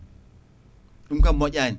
ɗum kam moƴƴani